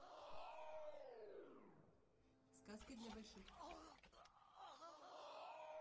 сказки для больших